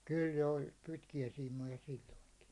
kyllä jo oli pitkiäsiimoja silloinkin